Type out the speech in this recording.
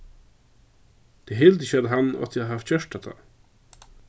tey hildu ikki at hann átti at havt gjørt hatta